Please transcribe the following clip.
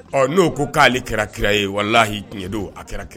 Ɔ n'o ko k'ale kɛra kira ye walahi'i tiɲɛ don a kɛra